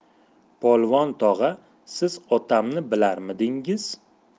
polvon tog'a siz otamni bilarmidingiz